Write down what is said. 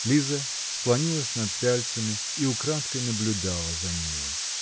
Лиза склонилась над пяльцами и украдкой наблюдала за нею.